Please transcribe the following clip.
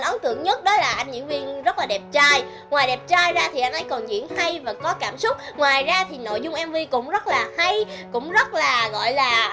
ấn tượng nhất đó là anh diễn viên rất là đẹp trai ngoài đẹp trai ra thì anh ấy còn diễn hay và có cảm xúc ngoài ra thì nội dung em vi cũng rất là hay cũng rất là gọi là